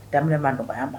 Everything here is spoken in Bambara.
Da man nɔgɔyaya ma